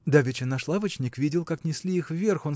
– Давеча наш лавочник видел, как несли их вверх